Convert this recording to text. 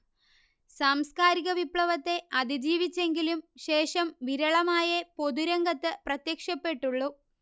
സാംസ്കാരിക വിപ്ലവത്തെ അതിജീവിച്ചെങ്കിലും ശേഷം വിരളമായെ പൊതുരംഗത്ത് പ്രത്യ്ക്ഷപ്പെട്ടുള്ളൂ